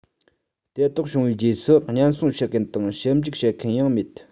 དེ དག བྱུང བའི རྗེས སུ སྙན སེང ཞུ མཁན དང ཞིབ འཇུག བྱེད མཁན ཡང མེད